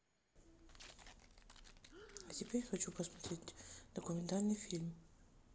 а теперь хочу посмотреть документальный фильм